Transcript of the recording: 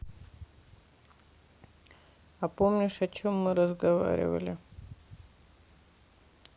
а помнишь о чем мы разговаривали